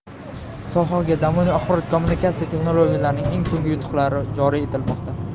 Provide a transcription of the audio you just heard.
sohaga zamonaviy axborot kommunikatsiya texnologiyalarining eng so'nggi yutuqlari joriy etilmoqda